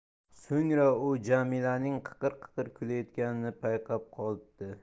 so'ngra u jamilaning qiqir qiqir kulayotganini payqab qolibdi